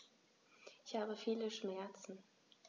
Ich habe viele Schmerzen.